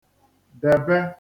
dèbe